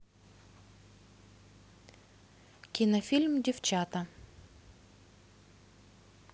кинофильм девчата